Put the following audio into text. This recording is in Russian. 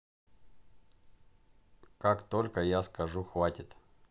как только я скажу хватит